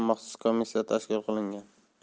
maxsus komissiya tashkil qilingan